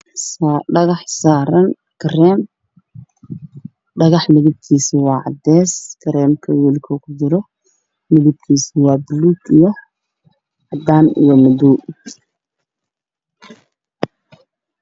Dhagax saaran kareem dhagax midabkisa waa cadeys kareemka weelka uu jiro midabkisa waa baluug iyo cadan iyo madoow